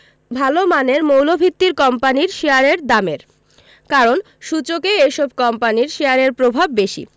ভালো মানের মৌলভিত্তির কোম্পানির শেয়ারের দামের কারণ সূচকে এসব কোম্পানির শেয়ারের প্রভাব বেশি